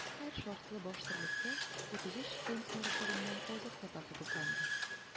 Һәр шартлы баш терлеккә 33 центнер исәбеннән азык запасы тупланды.